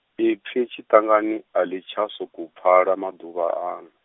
ipfi tshiṱangani, a ḽi tsha sokou pfala maḓuvha ano.